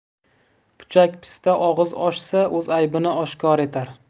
puchak pista og'iz ochsa o'z aybini oshkor etar